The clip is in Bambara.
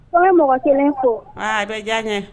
F bɛ n ye mɔgɔ 1 fo, aa a bɛ diya n ye.